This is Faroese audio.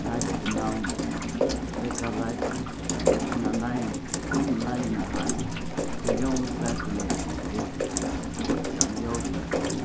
leita eftir navni steðga leiðbeining finn leiðina heim ger ljóðið spakuligari ger skíggjan ljósari